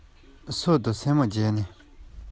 སོན གྲོ ནས བྱུང བ རེད ཟེར